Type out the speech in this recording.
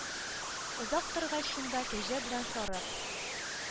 Озак торгач шунда Кәҗә белән Сарык,